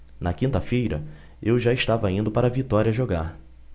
na quinta-feira eu já estava indo para vitória jogar